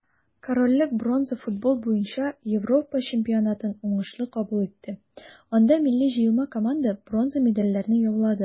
Корольлек бронза футбол буенча Европа чемпионатын уңышлы кабул итте, анда милли җыелма команда бронза медальләрне яулады.